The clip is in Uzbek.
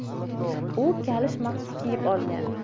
u kalish mahsi kiyib olgan